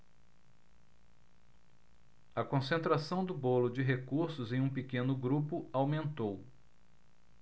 a concentração do bolo de recursos em um pequeno grupo aumentou